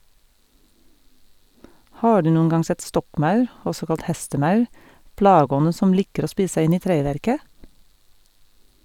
Har du noen gang sett stokkmaur , også kalt hestemaur, plageånden som liker å spise seg inn i treverket?